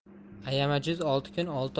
ayamajuz olti kun olti